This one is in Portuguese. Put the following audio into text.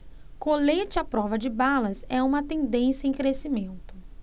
colete à prova de balas é uma tendência em crescimento